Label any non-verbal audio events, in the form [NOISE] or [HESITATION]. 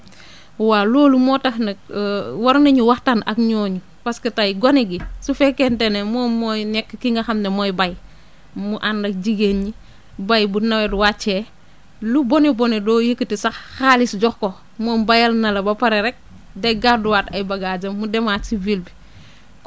[BREATH] waaw loolu moo tax nag [HESITATION] war nañu waxtaan ak ñooñu parce que tey gone gi su fekkente ne moom mooy nekk ki nga xam ne mooy bay mu ànd ak jigéen ñi bay bu nawet wàccee lu bon bon doo yëkkati sax xaalis jox ko moom bayal na la ba pare rek [NOISE] day gàdduwaat ay bagages am mu demaat si ville bi